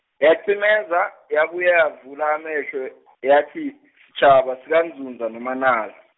yacimeza, yabuye yavula amehlo , yathi, sitjhaba sikaNdzundza noManala.